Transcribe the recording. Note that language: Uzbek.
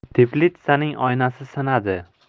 teplitsaning oynasi sinadi